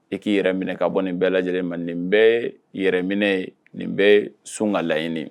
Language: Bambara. I k'i yɛrɛ minɛ ka bɔ nin bɛɛ lajɛ lajɛlen mande bɛ yɛrɛminɛ nin bɛ sun ka laɲini